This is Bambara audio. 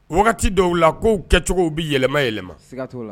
Wagati dɔw la k' kɛcogo bɛ yɛlɛma yɛlɛma